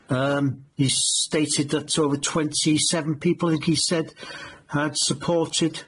Um he's stated that over twenty seven people I think he said, had supported